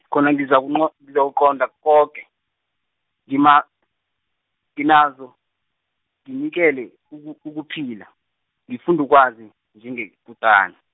khona ngizakunqo- ngizakuqonda koke, ngima- nginazo, nginikele uku ukuphila, ngifundukwazi njengekutani.